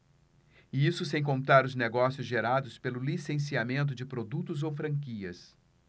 isso sem contar os negócios gerados pelo licenciamento de produtos ou franquias